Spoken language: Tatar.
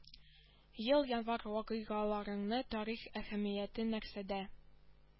Ел январь вакыйгаларының тарихи әһәмияте нәрсәдә